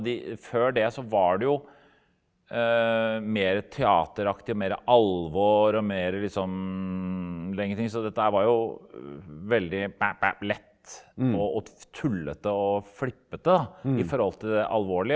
de før det så var det jo mere teateraktig mere alvor og mere liksom lenger ting så dette her var jo veldig lett og tullete og flippete da i forhold til det alvorlige.